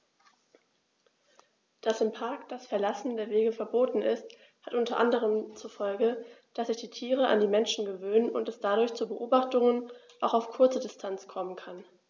Dass im Park das Verlassen der Wege verboten ist, hat unter anderem zur Folge, dass sich die Tiere an die Menschen gewöhnen und es dadurch zu Beobachtungen auch auf kurze Distanz kommen kann.